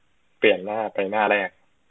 เปลี่ยนหน้าไปหน้าแรก